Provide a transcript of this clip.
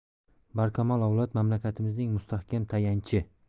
barkamol avlod mamlakatimizning mustahkam tayanchi